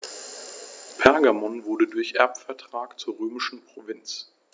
Pergamon wurde durch Erbvertrag zur römischen Provinz.